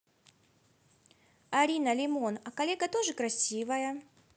арина лимон а коллега тоже красивая